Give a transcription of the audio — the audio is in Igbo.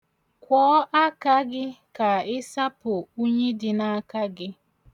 Kwọ aka gị ka ị sapụ unyi dị n'aka gị.